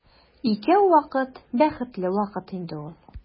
Икәү вакыт бәхетле вакыт инде ул.